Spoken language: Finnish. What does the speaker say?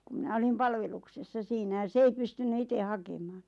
kun minä olin palveluksessa siinä ja se ei pystynyt itse hakemaan